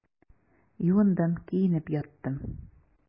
Юындым, киенеп яттым.